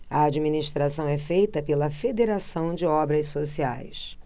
a administração é feita pela fos federação de obras sociais